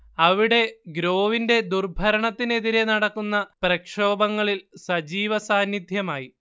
അവിടെ ഗ്രോവിന്റെ ദുർഭരണത്തിനെതിരേ നടക്കുന്ന പ്രക്ഷോഭങ്ങളിൽ സജീവ സാന്നിദ്ധ്യമായി